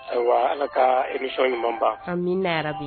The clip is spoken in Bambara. Ayiwa ala ka esɔn ɲumanba min n'abi